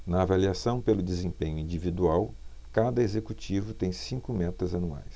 na avaliação pelo desempenho individual cada executivo tem cinco metas anuais